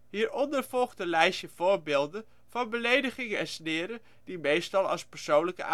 Hieronder volgt een lijstje voorbeelden van beledigingen en sneren die meestal als persoonlijke